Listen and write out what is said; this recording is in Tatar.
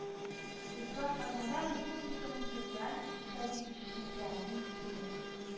Узган атнада республиканың социаль-икътисади үсешен тәэмин итүне